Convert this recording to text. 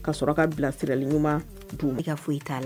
Ka sɔrɔ ka bilasirali ɲuman dun e ka fɔyi t'a la